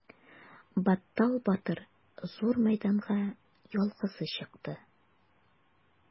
Баттал батыр зур мәйданга ялгызы чыкты.